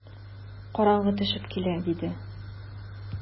Караңгы төшеп килә, - диде.